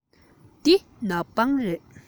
འདི ནག པང རེད